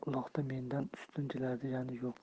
mendan ustun keladigani yo'q